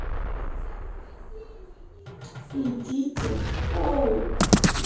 идите в школу